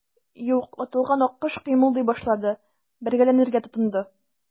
Юк, атылган аккош кыймылдый башлады, бәргәләнергә тотынды.